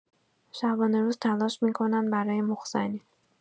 شبانه‌روز تلاش می‌کنند برای مخ‌زنی.